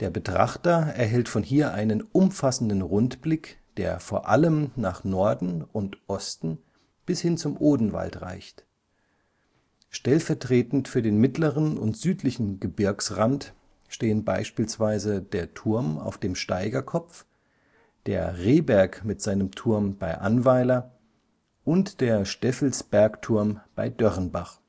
Betrachter erhält von hier einen umfassenden Rundblick, der vor allem nach Norden und Osten bis hin zum Odenwald reicht. Stellvertretend für den mittleren und südlichen Gebirgsrand stehen beispielsweise der Turm auf dem Steigerkopf (Schänzel), der Rehberg mit seinem Turm bei Annweiler und der Stäffelsbergturm bei Dörrenbach